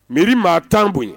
Miiriri maa tan bonya